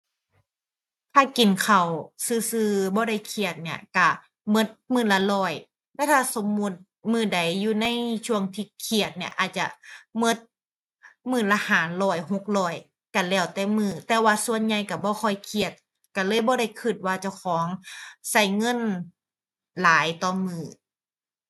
ถ้ากินข้าวซื่อซื่อ บ่ได้เครียดเนี่ย ก็ก็มื้อละร้อย แต่ถ้าสมมุติมื้อใดอยู่ในช่วงที่เครียดเนี่ย อาจจะก็มื้อละห้าร้อยหกร้อยก็แล้วแต่มื้อ แต่ว่าส่วนใหญ่ก็บ่ค่อยเครียด ก็เลยบ่ได้ก็ว่าเจ้าของก็เงินหลายต่อมื้อ